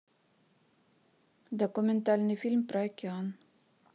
документальный фильм про океан